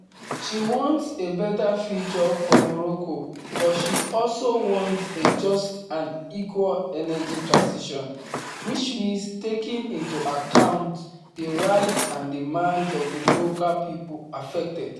She wants a better future for Morocco, but she also wants a just and equal energy transition, which means taking into account the rights and demands of the local people affected.